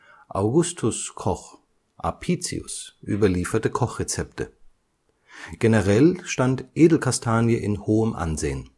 Augustus ' Koch Apicius überlieferte Kochrezepte. Generell stand Edelkastanie in hohem Ansehen